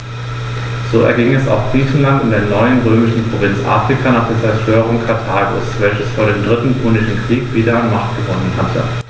So erging es auch Griechenland und der neuen römischen Provinz Afrika nach der Zerstörung Karthagos, welches vor dem Dritten Punischen Krieg wieder an Macht gewonnen hatte.